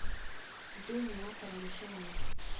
Диде ул миңа карамыйча гына